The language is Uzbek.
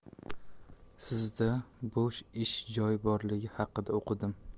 sizda bo'sh ish joyi borligi haqida o'qidim